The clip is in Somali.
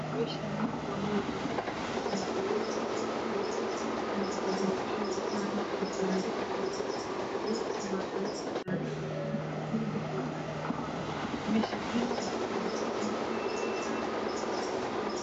Meeshaan waa meel barxad ah waxaa joogo gabdho waxay wataan xijaab buluug iyo taraaxado cadaan ah calan buluug ah ayay gacanta kuheystaa. Meesha geed ayaa kabaxaayo, darbiga waa jaale.